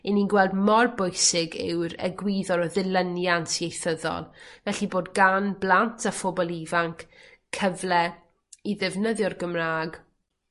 'yn ni'n gweld mor bwysig yw'r egwyddor o ddilyniant ieithyddol felly bod gan blant a phobol ifanc cyfle i ddefnyddio'r Gymra'g